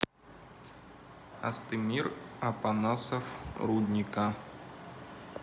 астемир апанасов рудника